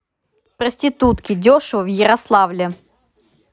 проститутки дешево в ярославле